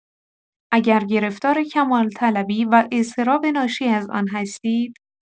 اگر گرفتار کمال‌طلبی و اضطراب ناشی از آن هستید.